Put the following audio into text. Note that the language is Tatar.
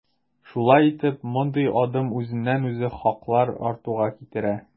Шулай итеп, мондый адым үзеннән-үзе хаклар артуга китерә.